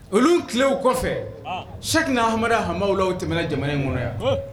Olu tilew kɔfɛ sakuina hamada hama tɛm jamana in kɔnɔ yan